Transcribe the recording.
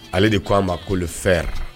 Ale de ko a ma ko fɛyara